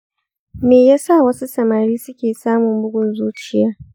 me ya sa wasu samari suke samun bugun zuciya?